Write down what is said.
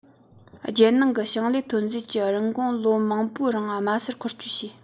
རྒྱལ ནང གི ཞིང ལས ཐོན རྫས ཀྱི རིན གོང ལོ མང པོའི རིང དམའ སར འཁོར སྐྱོད བྱས